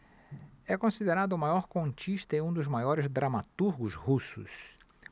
é considerado o maior contista e um dos maiores dramaturgos russos